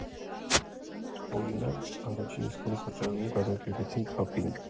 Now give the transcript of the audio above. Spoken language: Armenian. Օրինակ, առաջին իսկ օրը սրճարանում կազմակերպեցին քափինգ.